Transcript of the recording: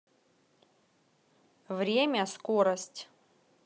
время скорость